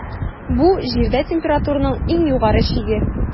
Бу - Җирдә температураның иң югары чиге.